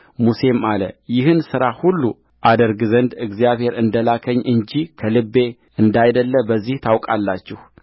ሙሴም አለ ይህን ሥራ ሁሉ አደርግ ዘንድ እግዚአብሔር እንደ ላከኝ እንጂ ከልቤ እንዳይደለ በዚህ ታውቃላችሁ